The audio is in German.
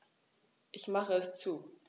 Ich mache es zu.